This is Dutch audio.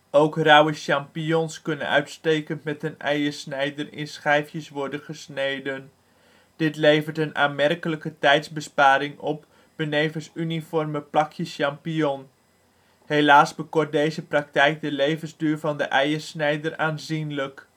Ook rauwe champignons kunnen uitstekend met een eiersnijder in schijfjes worden gesneden. Dit levert een aanmerkelijke tijdsbesparing op, benevens uniforme plakjes champignon. Helaas bekort deze praktijk de levensduur van de eiersnijder aanzienlijk